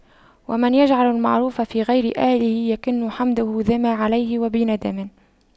ومن يجعل المعروف في غير أهله يكن حمده ذما عليه ويندم